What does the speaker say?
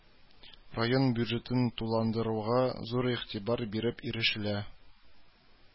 Район бюджетын тулыландыруга зур игътибар биреп ирешелә